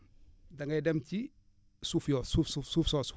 da ngay dem ci suuf yoo suuf suuf soosu